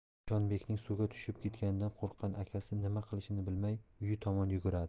nishonbekning suvga tushib ketganidan qo'rqqan akasi nima qilishini bilmay uyi tomon yuguradi